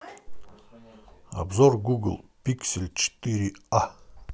обзор гугл пиксель четыре а